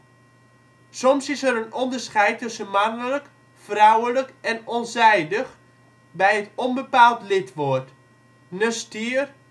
Soms is er een onderscheid tussen mannelijk, vrouwelijk en onzijdig bij het onbepaald lidwoord: ne stier